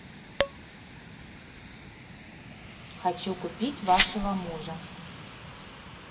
хочу купить вашего мужа